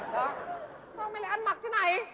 này sao mày lại ăn mặc thế này